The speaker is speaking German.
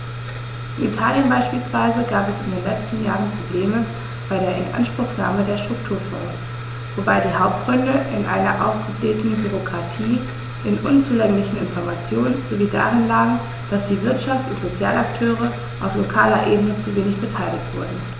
In Italien beispielsweise gab es in den letzten Jahren Probleme bei der Inanspruchnahme der Strukturfonds, wobei die Hauptgründe in einer aufgeblähten Bürokratie, in unzulänglichen Informationen sowie darin lagen, dass die Wirtschafts- und Sozialakteure auf lokaler Ebene zu wenig beteiligt wurden.